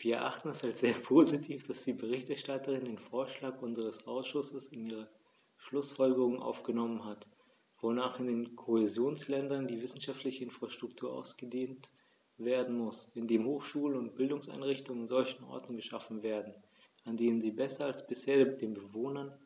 Wir erachten es als sehr positiv, dass die Berichterstatterin den Vorschlag unseres Ausschusses in ihre Schlußfolgerungen aufgenommen hat, wonach in den Kohäsionsländern die wissenschaftliche Infrastruktur ausgedehnt werden muss, indem Hochschulen und Bildungseinrichtungen an solchen Orten geschaffen werden, an denen sie besser als bisher den Bewohnern